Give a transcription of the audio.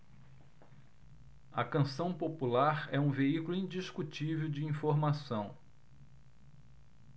a canção popular é um veículo indiscutível de informação